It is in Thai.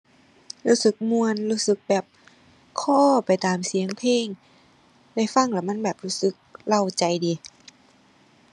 รู้สึกม่วน รู้สึกแบบ คลอไปตามเสียงเพลง ได้ฟังแล้วมันแบบรู้สึกเร้าใจดี